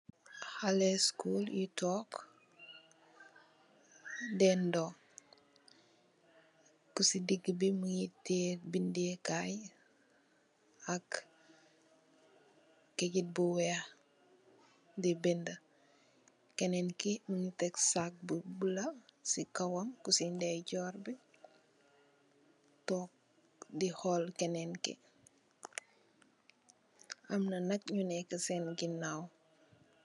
haleh school yu tog dendoo kusi dig bi mungi tee bindeh kai ak keyit bu weex di bindeu kenen bi mungi tek sak bu bulo cibKawam kusi ndeyjoor bi tog di hol kenen ki amna nak nyu neek Sen ginaaw